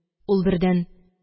Ул бердән